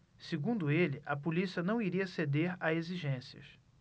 segundo ele a polícia não iria ceder a exigências